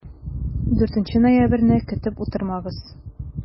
4 ноябрьне көтеп утырмагыз!